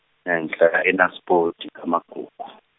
ngihlala eNaspoti Kamagugu.